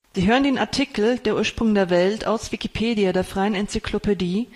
Sie hören den Artikel Der Ursprung der Welt, aus Wikipedia, der freien Enzyklopädie